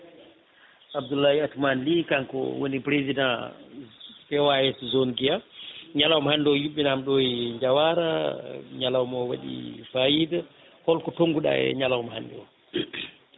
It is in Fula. Abdoulaye Atumane Ly kanko woni président PAS zone Guiya ñalawma hande o yuɓɓinama ɗo e nder Diawara ñalawma o waɗi fayida holko tonggu ɗa e ñalawma hande o